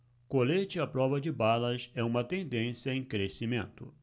colete à prova de balas é uma tendência em crescimento